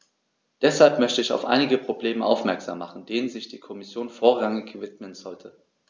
Deshalb möchte ich auf einige Probleme aufmerksam machen, denen sich die Kommission vorrangig widmen sollte.